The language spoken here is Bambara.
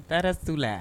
Taara si tu la.